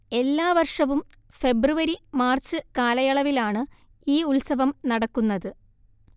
എല്ലാ വർഷവും ഫെബ്രുവരി മാർച്ച് കാലയളവിൽ ആണ് ഈ ഉത്സവം നടക്കുന്നത്